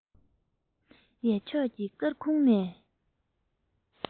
ཡལ ཕྱོགས ཀྱི སྐར ཁུང ནས